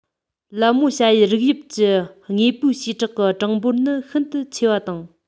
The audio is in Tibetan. ལད མོ བྱ ཡུལ རིགས དབྱིབས ཀྱི དངོས པོའི བྱེ བྲག གི གྲངས འབོར ནི ཤིན ཏུ ཆེ བ དང